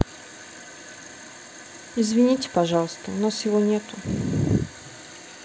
извините пожалуйста у нас его нету